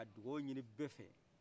ka dugaw ɲini bɛɛ fɛ